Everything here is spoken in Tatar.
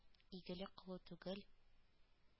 Игелек кылу түгел,